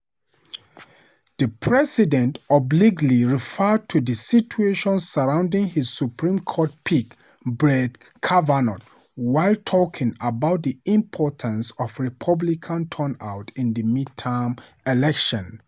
The President obliquely referred to the situation surrounding his Supreme Court pick Brett Kavanaugh while talking about the importance of Republican turnout in the midterm elections.